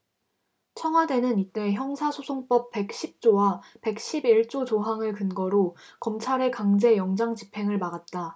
청와대는 이때 형사소송법 백 십 조와 백 십 일 조 조항을 근거로 검찰의 강제 영장집행을 막았다